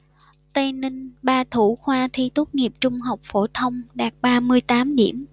tây ninh ba thủ khoa thi tốt nghiệp trung học phổ thông đạt ba mươi tám điểm